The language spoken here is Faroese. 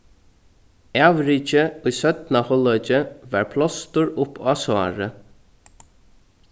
avrikið í seinna hálvleiki var plástur upp á sárið